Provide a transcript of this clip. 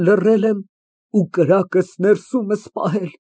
Լռել եմ ու կրակս ներսումս պահել։